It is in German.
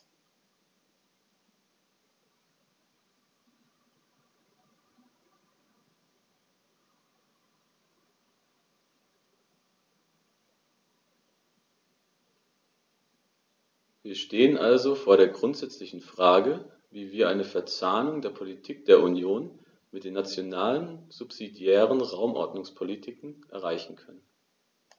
Wir stehen also vor der grundsätzlichen Frage, wie wir eine Verzahnung der Politik der Union mit den nationalen subsidiären Raumordnungspolitiken erreichen können.